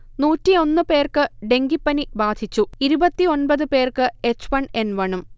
നൂറ്റിയൊന്ന് പേർക്ക് ഡെങ്കിപ്പനി ബാധിച്ചു ഇരുപത്തിയൊൻപത് പേർക്ക് എച്ച്വൺ എൻവണും